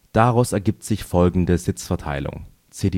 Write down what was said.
Daraus ergibt sich folgende Sitzverteilung: CDU